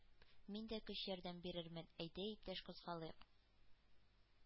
Мин дә көч-ярдәм бирермен: әйдә, иптәш, кузгалыйк,